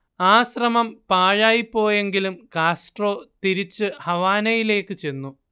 ആ ശ്രമം പാഴായിപോയെങ്കിലും കാസ്ട്രോ തിരിച്ചു ഹവാനയിലേക്കു ചെന്നു